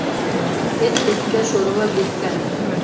et etga sho'rva betga